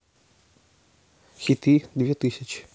хиты две тысячи